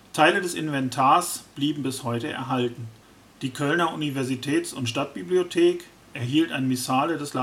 Teile des Inventars blieben bis heute erhalten. Die Kölner Universitäts - und Stadtbibliothek erhielt ein Missale des